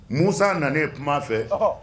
Musa nanalen kuma fɛ